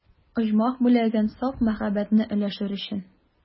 Оҗмах бүләген, саф мәхәббәтне өләшер өчен.